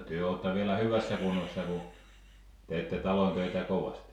te olette vielä hyvässä kunnossa kun teette talontöitä kovasti